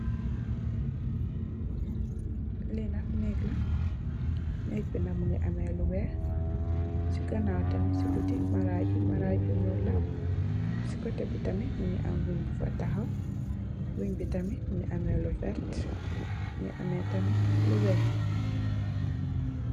Li nak nèeg la, nèeg bi nak mungi ameh lu weeh ci ganaaw tamit ci biti maraj bi maraj bi ñuul la. Ci kotè bi tamit mungi am wënn bu fa tahaw. Wënn bi tamit mungi ameh lu vert, mungi ameh tamit lu weeh.